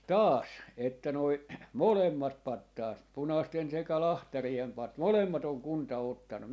taas että nuo molemmat patsaat punaisten sekä lahtarien - molemmat on kunta ottanut